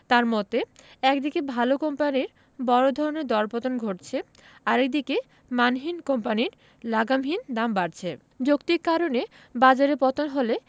তাঁর মতে একদিকে ভালো কোম্পানির বড় ধরনের দরপতন ঘটছে আরেক দিকে মানহীন কোম্পানির লাগামহীন দাম বাড়ছে যৌক্তিক কারণে বাজারে পতন হলে